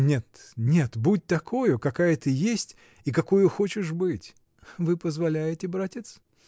— Нет, нет — будь такою, какая ты есть и какою хочешь быть. — Вы позволяете, братец?